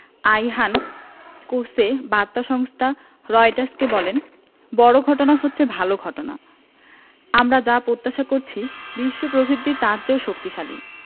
Ayhan Kose বার্তা সংস্থা রয়টার্সকে বলেন বড় ঘটনা হচ্ছে ভালো ঘটনা আমরা যা প্রত্যাশা করেছি বিশ্ব প্রবৃদ্ধি তার চেয়েও শক্তিশালী